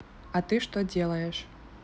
а ты что делаешь